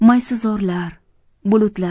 maysazorlar bulutlar